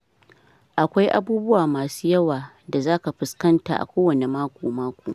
Akwai abubuwa masu yawa da za ka fuskanta a kowane mako-mako.